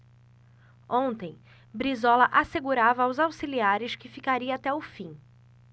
ontem brizola assegurava aos auxiliares que ficaria até o fim